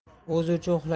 o'zi uchun uxlagan